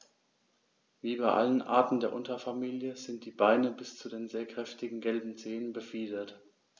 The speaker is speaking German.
Wie bei allen Arten der Unterfamilie sind die Beine bis zu den sehr kräftigen gelben Zehen befiedert.